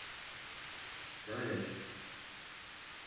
давай дальше